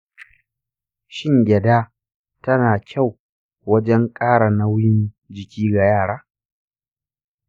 shin gyada tana da kyau wajen ƙara nauyin jiki ga yara?